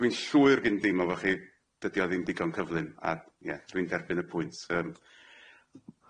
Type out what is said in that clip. dwi'n llwyr gin deimo fo' chi dydi o ddim digon cyflym a ie dwi'n derbyn y pwynt yym.